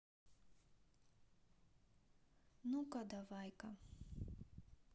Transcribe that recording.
ну ка давайка